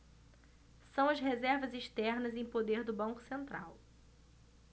são as reservas externas em poder do banco central